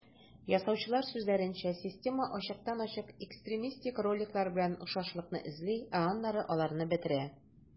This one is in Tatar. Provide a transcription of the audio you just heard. Ясаучылар сүзләренчә, система ачыктан-ачык экстремистик роликлар белән охшашлыкны эзли, ә аннары аларны бетерә.